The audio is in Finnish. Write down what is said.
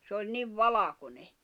se oli niin valkoinen